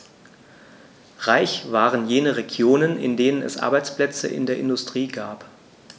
Reich waren jene Regionen, in denen es Arbeitsplätze in der Industrie gab.